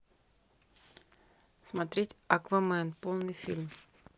смотреть аквамен полный фильм